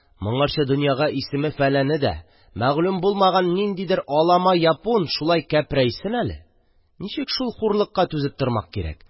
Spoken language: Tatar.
Моңарчы донъяга исеме-фәләне дә мәгълүм булмаган ниндидер алама япун шулай кәпрәйсен әле, ничек шул хурлыкка түзеп тормак кирәк?.